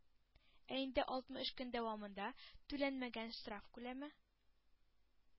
Ә инде алтмыш көн дәвамында түләнмәгән штраф күләме,